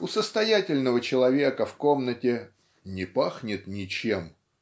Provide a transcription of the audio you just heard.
У состоятельного человека в комнате "не пахнет ничем